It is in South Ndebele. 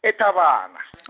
eThabana .